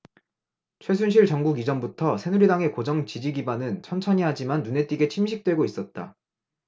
최순실 정국 이전부터 새누리당의 고정 지지 기반은 천천히 하지만 눈에 띄게 침식되고 있었다